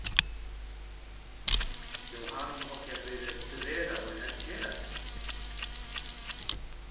jóhan átti at verið motiveraður at gera tað